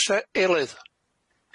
O's e eilydd?